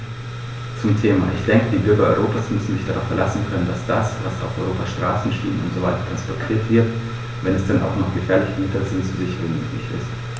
Zum Thema: Ich denke, die Bürger Europas müssen sich darauf verlassen können, dass das, was auf Europas Straßen, Schienen usw. transportiert wird, wenn es denn auch noch gefährliche Güter sind, so sicher wie möglich ist.